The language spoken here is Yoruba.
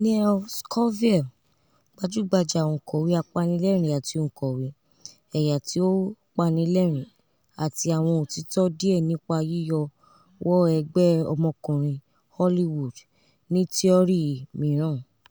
Nell Scovell, gbajugbaja onkọwe apanilẹrin ati onkọwe "Ẹya ti o Pani Lẹrin: Ati Awọn Otitọ Diẹ Nipa Yiyọ wọ Ẹgbẹ Ọmọkùnrin Hollywood "," ni tiọri miiran.